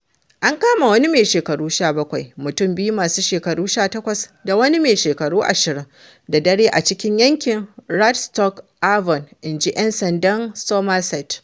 An kama wani mai shekaru 17, mutum biyu masu shekaru 18 da wani mutum mai shekaru 20 da dare a cikin yankin Radstock, Avon inji ‘Yan Sandan Somerset.